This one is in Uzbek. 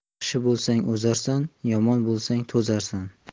yaxshi bo'lsang o'zarsan yomon bo'lsang to'zarsan